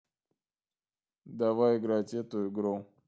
давай играть эту игру